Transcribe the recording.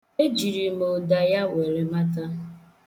Ejiri m ụda ya were mata.